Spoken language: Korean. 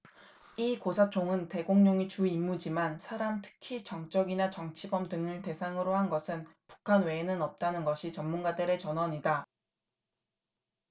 이 고사총은 대공용이 주임무지만 사람 특히 정적이나 정치범 등을 대상으로 한 것은 북한 외에는 없다는 것이 전문가들의 전언이다